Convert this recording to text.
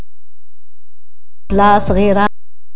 لا صغيره